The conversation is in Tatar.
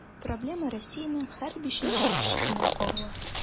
Проблема Россиянең һәр бишенче кешесенә кагыла.